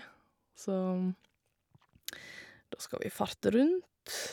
Så da skal vi farte rundt.